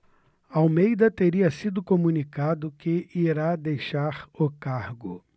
almeida teria sido comunicado que irá deixar o cargo